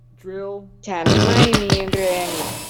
ฉันไม่มีแรง